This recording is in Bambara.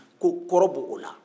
ko kɔrɔ b'o la